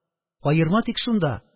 Аерма тик шунда: